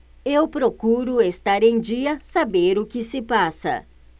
eu procuro estar em dia saber o que se passa